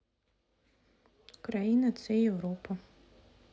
украина це европа